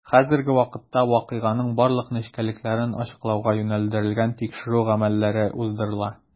Хәзерге вакытта вакыйганың барлык нечкәлекләрен ачыклауга юнәлдерелгән тикшерү гамәлләре уздырыла.